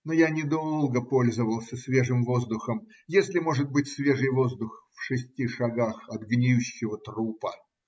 Но я недолго пользовался свежим воздухом, если может быть свежий воздух в шести шагах от гниющего трупа.